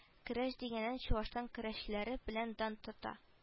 Көрәш дигәннән чуашстан көрәшчеләре белән дан тота